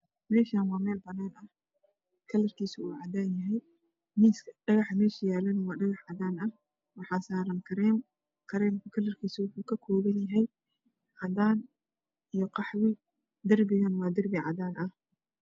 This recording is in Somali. Meshan wa mel banan aha kalrkiisu uu cadaan yahy dhagaxa meesha yalana waa dhaagax cadaana ah waxaa saran kareem kareemka kalarkiisa waxa uu ka koopan yhaya cadaan iyo qaxwi darpigana waa darpi cadaana ah